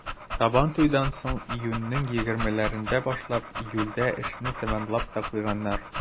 Сабантуйдан соң, июньнең егермеләрендә башлап, июльдә эшне тәмамлап та куйганнар.